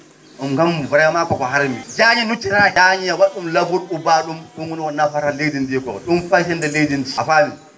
?um kam vraiment koko harmi jaañe nuccetaake jaañe wa? ?um laboure ngubbaa ?um ko ?um woni ko nafata leydi ndii ko ?um fayrinta leydi ndii a faamii